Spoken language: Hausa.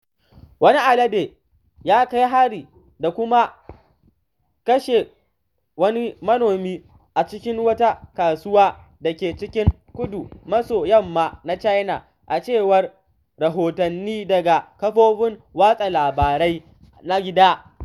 Wani alade ya kai hari da kuma kashe wani manomi a cikin wata kasuwa da ke cikin kudu-maso-yamma na China, a cewar rahotanni daga kafofin watsa labarai na gida.